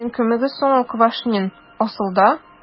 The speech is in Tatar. Сезнең кемегез соң ул Квашнин, асылда? ..